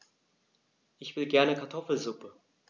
Ich will gerne Kartoffelsuppe.